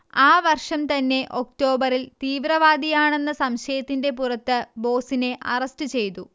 ആ വർഷം തന്നെ ഒക്ടോബറിൽ തീവ്രവാദിയാണെന്ന സംശയത്തിന്റെ പുറത്ത് ബോസിനെ അറസ്റ്റ് ചെയ്തു